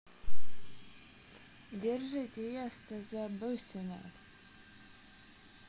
держи tiësto the business